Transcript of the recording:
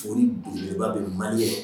Foli kunɲɛba bɛ man ɲɛ